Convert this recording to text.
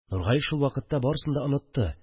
Нургали шул вакытта барысын да онытты